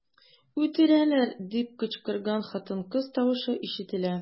"үтерәләр” дип кычкырган хатын-кыз тавышы ишетелә.